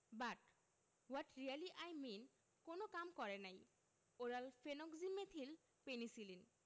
but what really I mean কোন কাম করে নাই ওরাল ফেনোক্সিমেথিল পেনিসিলিন